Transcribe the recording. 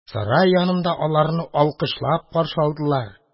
Сарай янында аларны алкышлап каршы алдылар.